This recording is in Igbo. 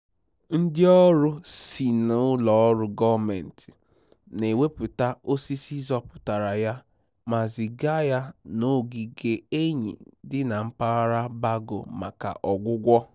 Ndịọrụ si n'ụlọ ọrụ gọọmentị na-ewepụta osisi zọpụtara ya ma ziga ya n'ogige enyi dị na mpaghara Bago maka ọgwụgwọ.